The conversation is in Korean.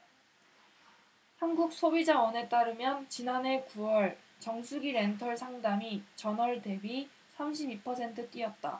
한국소비자원에 따르면 지난해 구 월 정수기렌털 상담이 전월대비 삼십 이 퍼센트 뛰었다